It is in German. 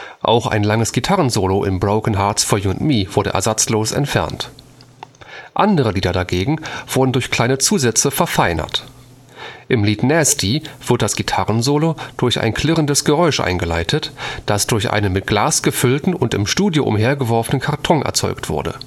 Auch ein langes Gitarrensolo in Broken Hearts For You And Me wurde ersatzlos entfernt. Andere Lieder dagegen wurden durch kleine Zusätze verfeinert: Im Lied Nasty wird das Gitarrensolo durch ein klirrendes Geräusch eingeleitet, das durch einen mit Glas gefüllten und im Studio umher geworfenen Karton erzeugt wurde